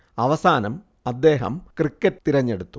അവസാനം അദ്ദേഹം ക്രിക്കറ്റ് തിരെഞ്ഞെടുത്തു